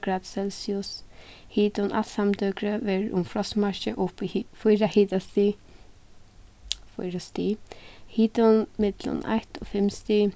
gradir celsius hitin alt samdøgrið verður um frostmarkið og upp í fýra hitastig fýra stig hitin millum eitt og fimm stig